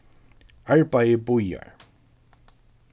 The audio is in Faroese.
arbeiðið bíðar